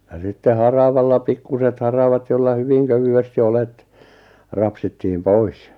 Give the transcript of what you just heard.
ja sitten haravalla pikkuiset haravat jolla hyvin kevyesti olet rapsittiin pois